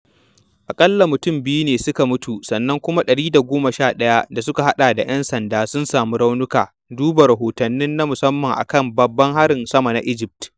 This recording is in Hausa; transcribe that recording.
Aƙalla mutam biyu ne suka mutu sannan kuma 111 da suka haɗa da 'yan sanda sun samu raunuka (Duba rahotanmu na musamman a kan Baban Harin Ssama na Egypt).